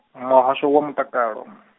Muhasho wa Mutakalo .